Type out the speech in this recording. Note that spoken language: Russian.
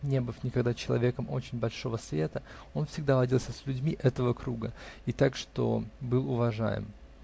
Не быв никогда человеком очень большого света, он всегда водился с людьми этого круга, и так, что был уважаем.